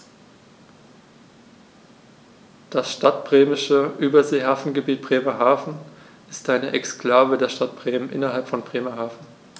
Das Stadtbremische Überseehafengebiet Bremerhaven ist eine Exklave der Stadt Bremen innerhalb von Bremerhaven.